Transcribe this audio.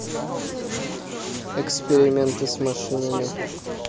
эксперименты с машинами